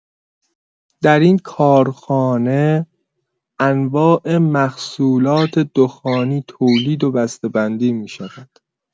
در این کارخانه، انواع محصولات دخانی تولید و بسته‌بندی می‌شود.